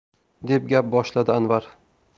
deb gap boshladi anvar